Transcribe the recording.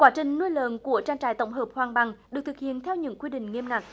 quá trình nuôi lợn của trang trại tổng hợp hoàng bằng được thực hiện theo những quy định nghiêm ngặt